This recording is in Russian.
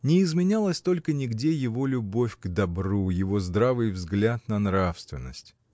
Не изменялась только нигде его любовь к добру, его здравый взгляд на нравственность.